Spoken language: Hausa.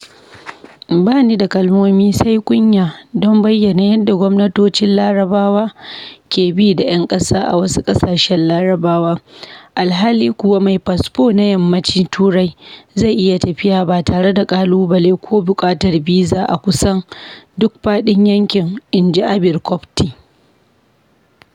"Ba ni da kalmomi, sai kunya, don bayyana yadda gwamnatocin Larabawa ke bi da ƴan ƙasa a wasu ƙasashen Larabawa, alhali kuwa mai fasfo na Yammacin Turai zai iya tafiya ba tare da kalubale ko buƙatar biza a kusan duk faɗin yankin" Inji Abir Kopty